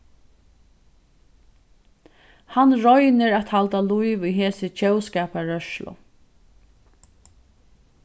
hann roynir at halda lív í hesi tjóðskaparrørslu